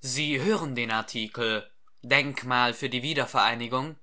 Sie hören den Artikel Denkmal für die Wiedervereinigung,